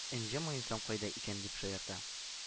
Энҗе муенсам кайда икән?—дип шаярта